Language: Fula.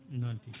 noon tigui